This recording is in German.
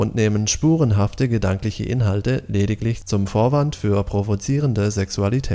nehmen spurenhafte gedankliche Inhalte lediglich zum Vorwand für provozierende Sexualität